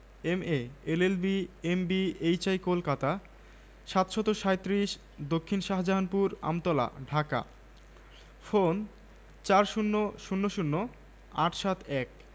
M A L L B M B H I Kolkata ৭৩৭ দক্ষিন শাহজাহানপুর আমতলা ডাকা ফোনঃ ৪০০০৮৭১